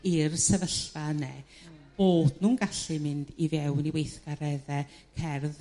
i'r sefyllfa yne ded nhw'n gallu mynd i fewn i weithgaredde cerdd